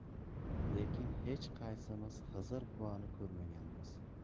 lekin hech qaysimiz xizr buvani ko'rmaganmiz